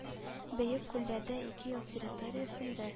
Бөек күлләрдә (ике ил территориясендә